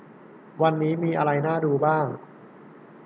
วันนี้มีอะไรน่าดูบ้าง